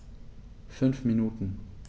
5 Minuten